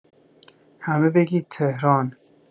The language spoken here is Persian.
همه بگید تهران